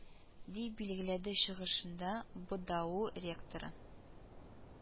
Дип билгеләде чыгышында быдау ректоры